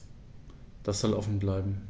Das soll offen bleiben.